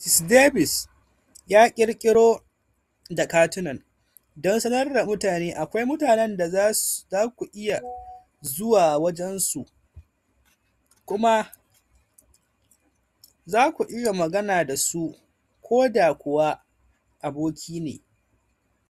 Ms Davis ya kirkiro da katunan, "don sanar da mutane akwai mutanen da za ku iya zuwa wajen su kuma za ku iya magana da su, ko da kuwa aboki ne.